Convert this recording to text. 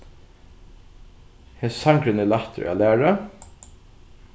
hesin sangurin er lættur at læra